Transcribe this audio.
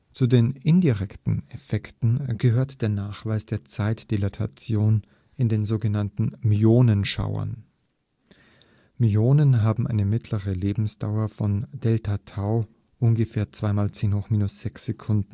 Zu den indirekten Effekten gehört der Nachweis der Zeitdilatation in den sog. „ Myonenschauern “: Myonen haben eine mittlere Lebensdauer von Δτ ~ 2·10−6